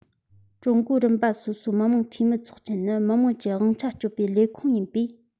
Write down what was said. ཀྲུང གོའི རིམ པ སོ སོའི མི དམངས འཐུས མི ཚོགས ཆེན ནི མི དམངས ཀྱི དབང ཆ སྤྱོད པའི ལས ཁུངས ཡིན པས